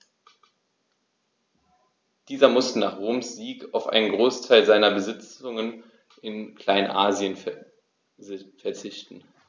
Dieser musste nach Roms Sieg auf einen Großteil seiner Besitzungen in Kleinasien verzichten.